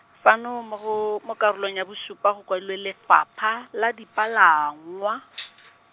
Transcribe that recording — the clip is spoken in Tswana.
fano mo go, mo karolong ya bosupa go kwadilwe Lefapha, la Dipalangwa .